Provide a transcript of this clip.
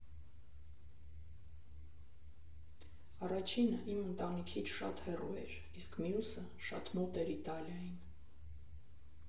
Առաջինը իմ ընտանիքից շատ հեռու էր, իսկ մյուսը՝ շատ մոտ էր Իտալիային։